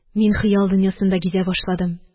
Мин хыял дөньясында гизә башладым